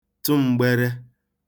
tụ m̄gbērē